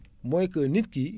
mooy que nit ki